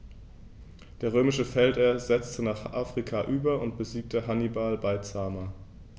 Der römische Feldherr setzte nach Afrika über und besiegte Hannibal bei Zama.